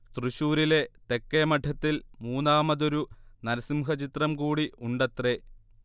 തൃശ്ശൂരിലെ തെക്കേമഠത്തിൽ മൂന്നാമതൊരു നരസിംഹചിത്രം കൂടി ഉണ്ടത്രേ